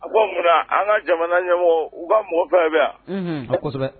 A ko munna an ka jamana ɲɛmɔgɔ u ka mɔgɔ fɛ bɛ yan a kosɛbɛ